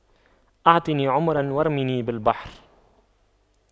اعطني عمرا وارميني بالبحر